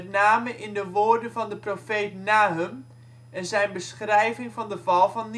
name in de woorden van de profeet Nahum en zijn beschrijving van de val van Nineve